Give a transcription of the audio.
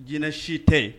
Jinɛinɛ si tɛ